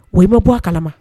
O ma bɔ a kalama